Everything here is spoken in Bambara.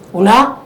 O